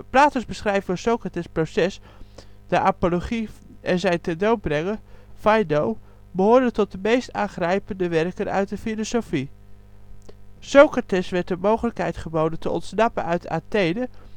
Plato 's beschrijving van Socrates ' proces (de Apologie) en zijn ter dood brenging (Phaedo) behoren tot de meest aangrijpende werken uit de filosofie. Socrates werd de mogelijkheid geboden te ontsnappen uit Athene